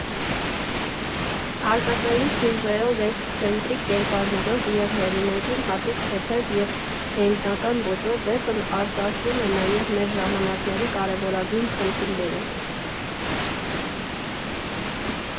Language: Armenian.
Արկածային սյուժեով, էքսցենտրիկ կերպարներով և հեղինակին հատուկ թեթև և հեգնական ոճով վեպն արծարծում է նաև մեր ժամանակների կարևորագույն խնդիրները։